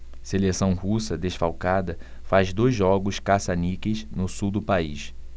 seleção russa desfalcada faz dois jogos caça-níqueis no sul do país